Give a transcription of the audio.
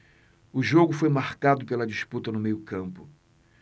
o jogo foi marcado pela disputa no meio campo